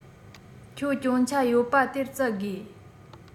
ཁྱོད སྐྱོན ཆ ཡོད པ དེར བཙལ དགོས